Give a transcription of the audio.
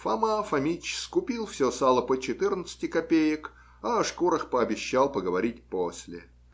Фома Фомич скупил все сало по четырнадцати копеек, а о шкурах обещал поговорить после.